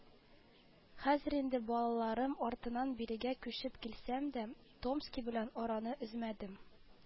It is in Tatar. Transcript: «хәзер инде балаларым артыннан бирегә күчеп килсәм дә, томски белән араны өзмәдем